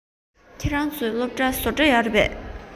ཁྱོད རང ཚོའི སློབ གྲྭར བཟོ གྲྭ ཡོད རེད པས